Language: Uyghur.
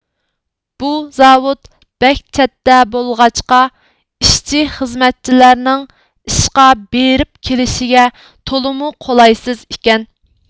بۇ زاۋۇت بەك چەتتە بولغاچقا ئىشچى خىزمەتچىلەرنىڭ ئىشقا بېرىپ كېلىشىگە تولىمۇ قۇلايسىز ئىكەن